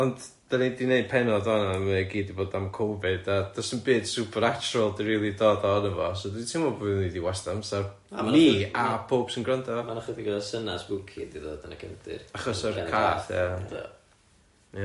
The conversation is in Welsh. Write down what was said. Ond 'dan ni 'di 'neud pennod fan'na a mae o i gyd 'di bod am Covid a does dim byd supernatural 'di rili dod ohono fo so dwi'n teimlo bo' ni 'di wastio amser ni a pawb sy'n gwrando... Ma'na ychydig o syna' spooky 'di bod yn y cefndir... Achos o'r cath ia? Do. Ia.